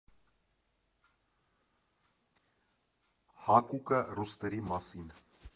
Հակուկը ռուսների մասին։